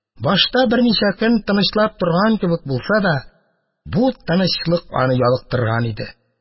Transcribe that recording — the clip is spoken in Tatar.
Башта берничә көн тынычлап торган кебек булса да, бу тынычлык аны ялыктырган иде.